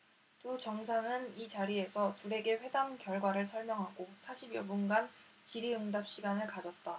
두 정상은 이 자리에서 들에게 회담 결과를 설명하고 사십 여분간 질의응답 시간을 가졌다